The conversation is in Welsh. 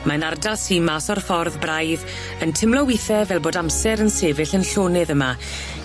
mae'n ardal sy mas o'r ffordd braidd yn timlo withe fel bod amser yn sefyll yn llonydd yma